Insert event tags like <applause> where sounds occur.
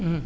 <hesitation>